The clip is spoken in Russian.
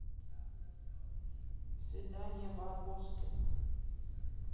свидание барбоскина